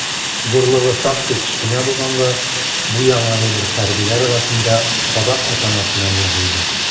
Зурлыгы шактый кечкенә булганга, бу яңа әйбер хәрбиләр арасында «кадак» атамасына ия булды.